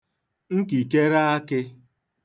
nkìkere akị̄